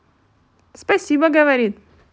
спасибо говорит